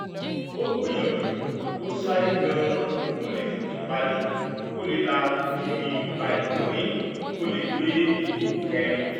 Ó gbìyànjú, ó sáré gan-an kó lè tètè parí, kó la Kimi Raikkonen kó lè gbé ipò kẹrin.